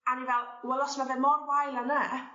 a o'n i fel fel wel os ma' fe mor wael â 'ny